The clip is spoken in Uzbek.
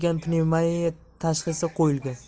kelgan pnevmoniya tashxisi qo'yilgan